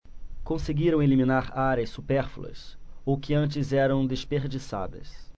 conseguiram eliminar áreas supérfluas ou que antes eram desperdiçadas